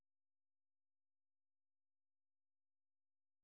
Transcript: локомотив тбилиси динамо